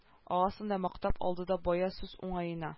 Агасын да мактап алды бая сүз уңаенда